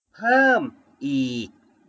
เพิ่มอีก